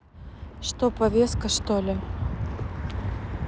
что повеска что ли